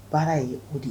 Baara ye o de ye